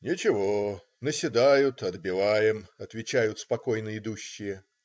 "Ничего - наседают, отбиваем",- отвечают спокойно идущие.